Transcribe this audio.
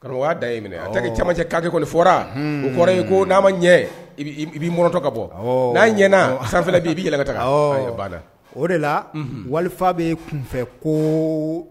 Da ye a caman cɛ kari kɔni fɔra o kɔrɔ ye ko n'a ma ɲɛ i b'i mtɔ ka bɔ n'a ɲɛnana sanfɛ b i b'i yɛlɛda o de la walifa bɛ kunfɛ ko